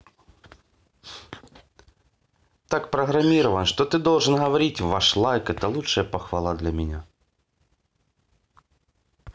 так програмирован что ты должен говорить ваш лайк это лучшая похвала для меня